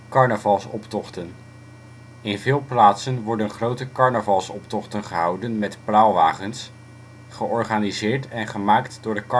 Carnavalsoptochten. In veel plaatsen worden grote carnavalsoptochten gehouden met praalwagens, georganiseerd en gemaakt door de carnavalsverenigingen